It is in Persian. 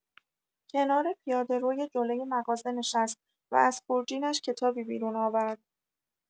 کنار پیاده‌روی جلوی مغازه نشست و از خورجینش کتابی بیرون آورد.